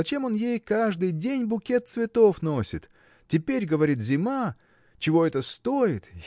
зачем он ей каждый день букет цветов носит? теперь, говорит, зима. чего это стоит?.